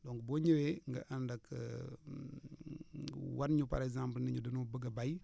donc boo ñëwee nga ànd ak wan ñu par exemple ne ñu dañoo bëgg a bay